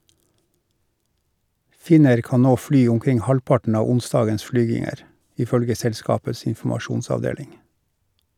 Finnair kan nå fly omkring halvparten av onsdagens flyginger, ifølge selskapets informasjonsavdeling.